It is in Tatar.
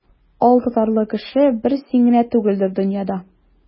Алтатарлы кеше бер син генә түгелдер дөньяда.